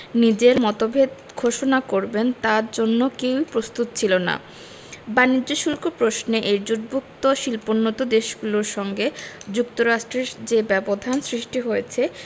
নিজের মতভেদ ঘোষণা করবেন তার জন্য কেউই প্রস্তুত ছিল না বাণিজ্য শুল্ক প্রশ্নে এই জোটভুক্ত শিল্পোন্নত দেশগুলোর সঙ্গে যুক্তরাষ্ট্রের যে ব্যবধান সৃষ্টি হয়েছে